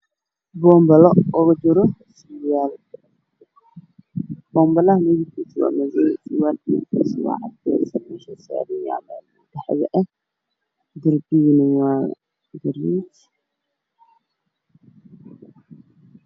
Waxa ii muuqdo surwaal midabkiisu yahay cadays oo ku dhex jiro caag madow